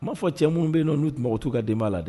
M'a fɔ cɛ minnu bɛ n'u tun b k'u ka denba la dɛ